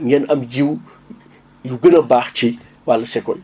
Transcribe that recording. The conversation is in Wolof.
ngeen am jiw yu gën a baax ci wàll seko